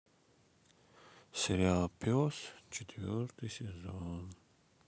сериал пес четвертый сезон